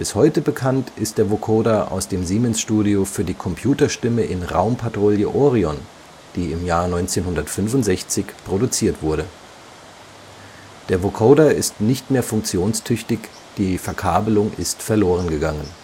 heute bekannt ist der Vocoder aus dem Siemens-Studio für die Computer-Stimme in Raumpatrouille Orion, die im Jahr 1965 produziert wurde. Der Vocoder ist nicht mehr funktionstüchtig, die Verkabelung ist verloren gegangen